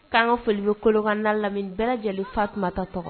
K'an ka foli bɛ Kolokani n'a lamini bɛɛ lajɛlen ye Fatunta tɔgɔ